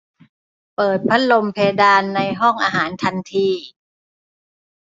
เปิดพัดลมเพดานในห้องอาหารทันที